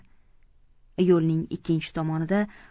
yo'lning ikkinchi tomonida